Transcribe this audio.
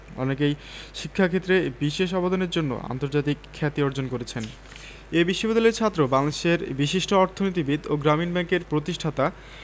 অনেকেই শিক্ষাক্ষেত্রে বিশেষ অবদানের জন্য আন্তর্জাতিক খ্যাতি অর্জন করেছেন এ বিশ্ববিদ্যালয়েরই ছাত্র বাংলাদেশের বিশিষ্ট অর্থনীতিবিদ ও গ্রামীণ ব্যাংকের প্রতিষ্ঠাতা